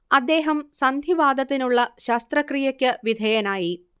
അദ്ദേഹം സന്ധിവാതത്തിനുള്ള ശസ്ത്രക്രിയക്ക് വിധേയനായി